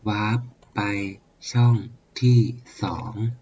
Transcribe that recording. วาปไปช่องที่สอง